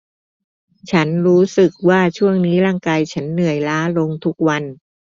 ฉันรู้สึกว่าช่วงนี้ร่างกายฉันเหนื่อยล้าลงทุกวัน